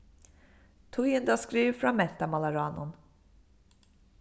tíðindaskriv frá mentamálaráðnum